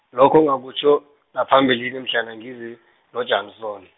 lokho ngakutjho naphambilini mhlana ngize noJanson.